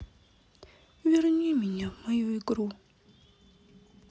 верни меня в мою игру